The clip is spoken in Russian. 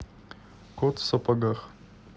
кот в сапогах